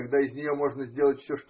когда из нее можно сделать все.